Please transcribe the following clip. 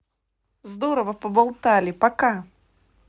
здорово поболтали пока